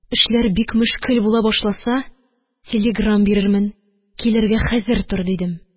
«эшләр бик мөшкел була башласа, телеграм бирермен, килергә хәзер тор», – дидем.